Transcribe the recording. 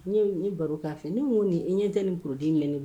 incomrehensible